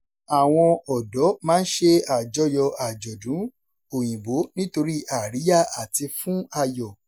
Àwọn ọ̀dọ́ máa ń ṣe àjọyọ̀ àjọ̀dún Òyìnbó nítorí àríyá àti fún ayọ̀.